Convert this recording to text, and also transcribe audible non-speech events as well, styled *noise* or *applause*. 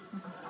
*hesitation* *hesitation*